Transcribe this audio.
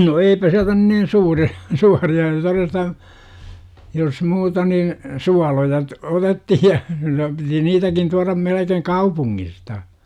no eipä sieltä nyt niin suuria suuria todesta jos muuta niin suoloja - otettiin ja piti niitäkin tuoda melkein kaupungista